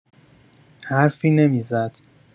حرفی نمی‌زد.